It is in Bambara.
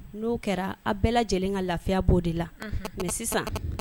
N'o kɛra a bɛɛ lajɛlen ka lafiya b'o de la, mais sisan